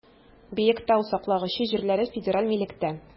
Биектау саклагычы җирләре федераль милектә.